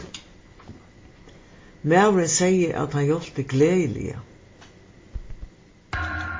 maðurin segði at hann hjálpti gleðiliga